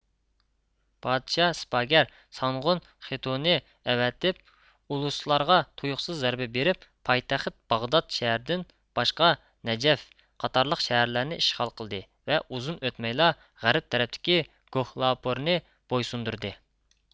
پادىشاھ سىپاگەر سانغۇن خېتۇنى ئەۋەتىپ ئۇلۇسلارغا تۇيۇقسىز زەربە بىرىپ پايتەخت باغدات شەھىرىدىن باشقا نەجەف قاتارلىق شەھەرلەرنى ئىشغال قىلدى ۋە ئۇزۇن ئۆتمەيلا غەرب تەرەپتىكى گوھلاپۇرنى بويسۇندۇردى